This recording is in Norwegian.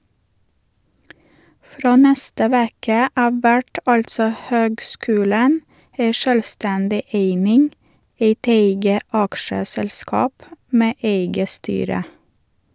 Frå neste veke av vert altså høgskulen ei sjølvstendig eining, eit eige aksjeselskap med eige styre.